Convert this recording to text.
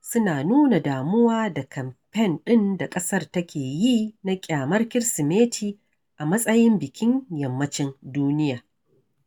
suna nuna damuwa da kamfen ɗin da ƙasar take yi na ƙyamar Kirsimeti a matsayin bikin Yammacin duniya.